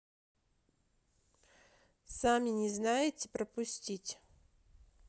сами не знаете пропустить